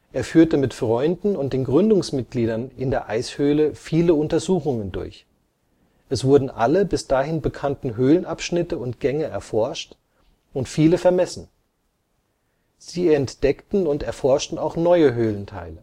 Er führte mit Freunden und den Gründungsmitgliedern in der Eishöhle viele Untersuchungen durch. Es wurden alle bis dahin bekannten Höhlenabschnitte und Gänge erforscht und viele vermessen. Sie entdeckten und erforschten auch neue Höhlenteile